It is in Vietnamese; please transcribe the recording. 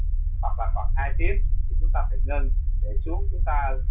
hoặc là khoảng hai tiếng thì chúng ta phải ngừng để xuống chúng ta làm